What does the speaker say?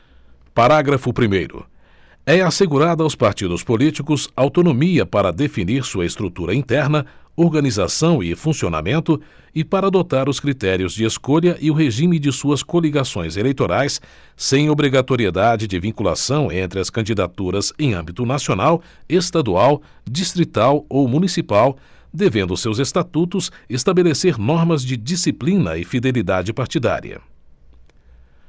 parágrafo primeiro é assegurada aos partidos políticos autonomia para definir sua estrutura interna organização e funcionamento e para adotar os critérios de escolha e o regime de suas coligações eleitorais sem obrigatoriedade de vinculação entre as candidaturas em âmbito nacional estadual distrital ou municipal devendo seus estatutos estabelecer normas de disciplina e fidelidade partidária